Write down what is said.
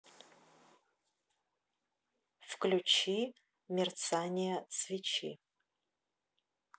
включи мерцание свечи